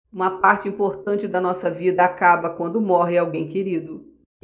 uma parte importante da nossa vida acaba quando morre alguém querido